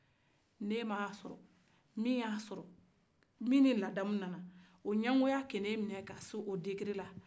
ni e ma a sɔrɔ min ye a sɔrɔ min ni ladamu nana o ɲɛgoya ka na e mina ka se o kunamana